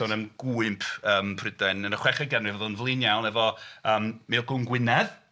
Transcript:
Sôn am gwymp yym Prydain yn y chweched ganrif, oedd o'n flin iawn efo yym Maelgwn Gwynedd.